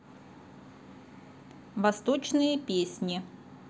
восточные песни